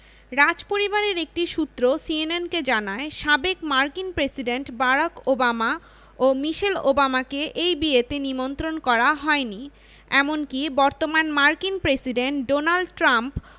রাজপরিবারের একটি সূত্র সিএনএনকে জানায় সাবেক মার্কিন প্রেসিডেন্ট বারাক ওবামা ও মিশেল ওবামাকে এই বিয়েতে নিমন্ত্রণ করা হয়নি এমনকি বর্তমান মার্কিন প্রেসিডেন্ট ডোনাল্ড ট্রাম্প